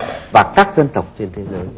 và các dân tộc trên thế giới